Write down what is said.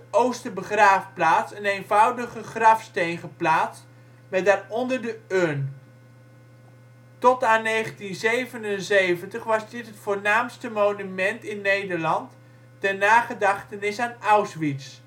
Oosterbegraafplaats een eenvoudige grafsteen geplaatst met daaronder de urn. Tot aan 1977 was dit het voornaamste monument in Nederland ter nagedachtenis aan Auschwitz